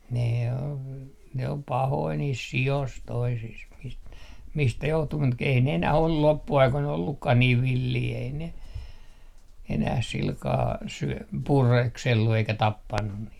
ne on ne on pahoja niissä sioissa toisissa - mistä johtuu mutta - ei ne enää ole loppuaikoina ollutkaan niin villejä ei ne enää sillä kalella - pureskellut eikä tappanut niitä